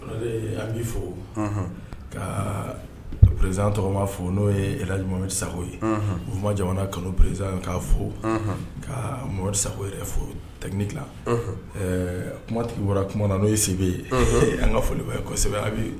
An' fo ka perez tɔgɔma fo n'o ye mamari sagogo ye u jamana kaloerez ka fo ka mamari sago fo dila ɛɛ kumatigi bɔra kuma na n'o ye sibi ye an ka folisɛbɛ bi